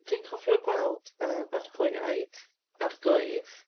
Fi'n cofio gweld, yy, yr hwyaid a'r gwydd.